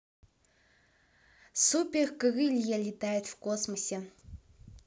супер крылья летают в космосе